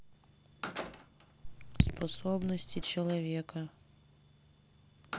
способности человека